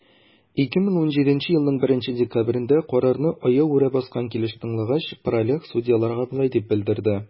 2017 елның 1 декабрендә, карарны аягүрә баскан килеш тыңлагач, праляк судьяларга шулай дип белдерде: